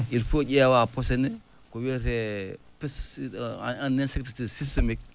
il faut ƴeewa posone ko wiyete * systémique